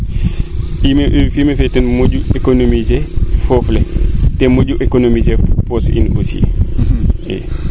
ii fumier ten economiser a foof economiser poche in aussi